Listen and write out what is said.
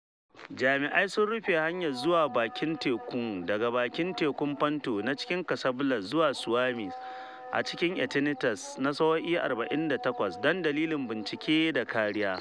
Jami’ai sun rufe hanyar zuwa bakin tekun daga Bakin Tekun Ponto na cikin Casablad zuwa Swami's a cikin Ecinitas na sa’o’i 48 don dalilan bincike da kariya.